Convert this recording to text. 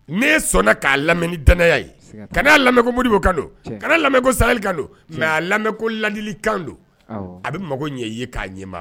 Ne sɔnna k'a lamɛn ni danaya ye, siga t'a la, ka na lamɛn ko Modibo kan don ka na lamɛn ko sahel kan don mais a lamɛn ko ladili kan don, awɔ, a bɛ mago ɲɛ ye k'a ɲɛ maa wɛrɛ